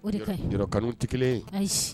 Yɔrɔk tɛ